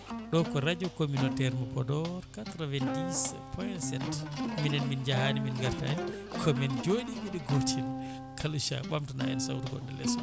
ɗo ko radio communautaire mo ¨Podor 90 POINT 7 minen min jaahani min gartani komin jooɗiɓe ɗo gotel Kalisa ɓamtana en sawto gonɗo lees o